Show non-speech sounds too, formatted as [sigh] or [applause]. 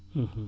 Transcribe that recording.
[hesitation] [hesitation]